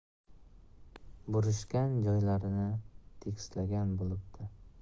burishgan joylarini tekislagan bo'libdi